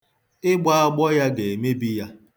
Ịgbọ agbọ ya ga-emebi ya.